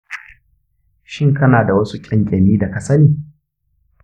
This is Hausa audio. shin kana da wasu ƙyanƙyami da ka sani?